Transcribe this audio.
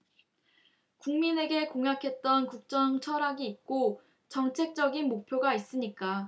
국민에게 공약했던 국정 철학이 있고 정책적인 목표가 있으니까